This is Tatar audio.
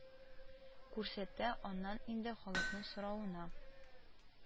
Күрсәтә, аннан инде халыкның соравына